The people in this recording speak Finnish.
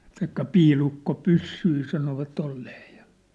sanoi että piilukkopyssyjä sanovat olleen ja